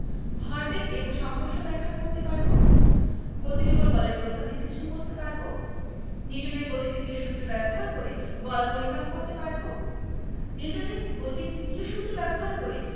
ভরবেগ এবং সংঘর্ষ ব্যাখ্যা করতে পারব গতির উপর বলের প্রভাব বিশ্লেষণ করতে পারব নিউটনের গতির দ্বিতীয় সূত্র ব্যবহার করে বল পরিমাপ করতে পারব নিউটনের গতির তিতীয় সূত্র ব্যবহার করে